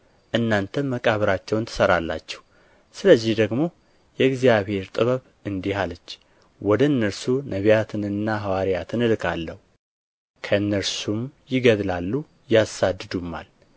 እናንተም መቃብራቸውን ትሠራላችሁ ስለዚህ ደግሞ የእግዚአብሔር ጥበብ እንዲህ አለች ወደ እነርሱ ነቢያትንና ሐዋርያትን እልካለሁ ከእነርሱም ይገድላሉ ያሳድዱማል